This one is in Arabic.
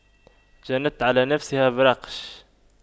جنت على نفسها براقش